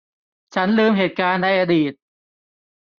ฉันลืมเหตุการณ์ในอดีต